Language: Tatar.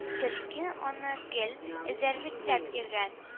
Төлке аны гел эзәрлекләп йөргән